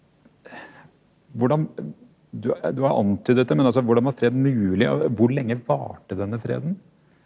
hvordan du du har antydet det men altså hvordan man fred mulig hvor lenge varte denne freden?